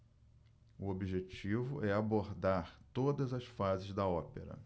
o objetivo é abordar todas as fases da ópera